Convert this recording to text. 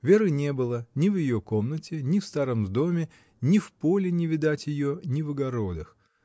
Веры не было, ни в ее комнате, ни в старом доме, ни в поле не видать ее, ни в огородах.